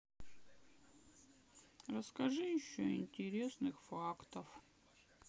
расскажи еще интересных фактов